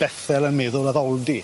Bethel yn meddwl addoldy.